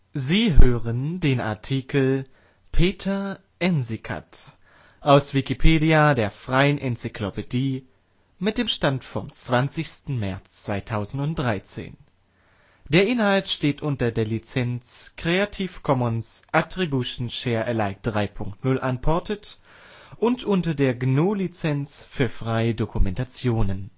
Sie hören den Artikel Peter Ensikat, aus Wikipedia, der freien Enzyklopädie. Mit dem Stand vom Der Inhalt steht unter der Lizenz Creative Commons Attribution Share Alike 3 Punkt 0 Unported und unter der GNU Lizenz für freie Dokumentation